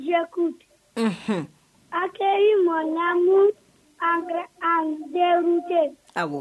Jakiku un an teri mɔn lamɔ an bɛ an jɛ tɛ sago